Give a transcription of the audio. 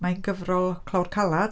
Mae'n gyfrol clawr caled.